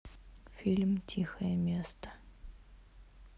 фильм тихое место